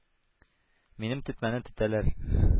Минем тетмәне тетәләр.